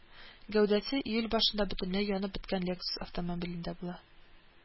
Гәүдәсе июль башында бөтенләй янып беткән лексус автомобилендә була